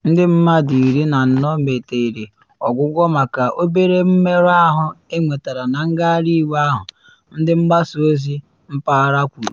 Ndị mmadụ iri na anọ nwetere ọgwụgwọ maka obere mmerụ ahụ enwetara na ngagharị iwe ahụ, ndị mgbasa ozi mpaghara kwuru.